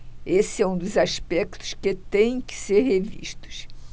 esse é um dos aspectos que têm que ser revistos